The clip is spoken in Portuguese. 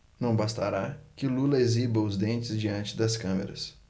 não bastará que lula exiba os dentes diante das câmeras